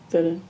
Don't know.